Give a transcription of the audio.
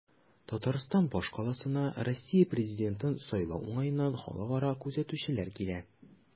Татарстан башкаласына Россия президентын сайлау уңаеннан халыкара күзәтүчеләр килә.